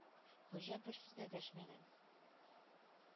Хуҗа бер сүз дә дәшмәгән.